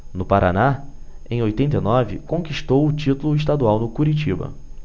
no paraná em oitenta e nove conquistou o título estadual no curitiba